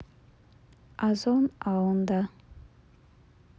ozon аунда